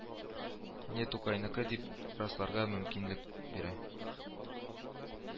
Не тукайныкы дип расларга мөмкинлек бирә